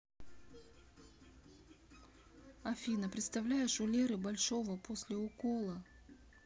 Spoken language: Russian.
афина представляешь у леры большова после укола